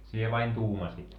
sinä vain tuumasit